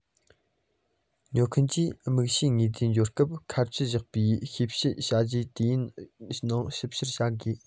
ཉོ མཁན གྱིས དམིགས བྱའི དངོས རྫས འབྱོར སྐབས ཁ ཆད བཞག པའི ཞིབ བཤེར བྱ རྒྱུའི དུས ཡུན ནང ཞིབ བཤེར བྱ དགོས